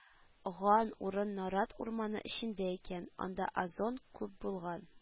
Ган урын нарат урманы эчендә икән, анда озон күп булган